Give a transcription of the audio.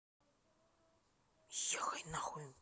ехай нахуй